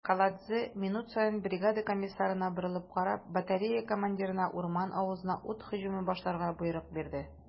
Каладзе, минут саен бригада комиссарына борылып карап, батарея командирына урман авызына ут һөҗүме башларга боерык бирде.